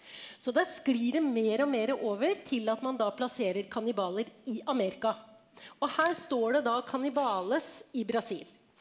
så der sklir det mer og mere over til at man da plasserer kannibaler i Amerika og her står det da i Brasil.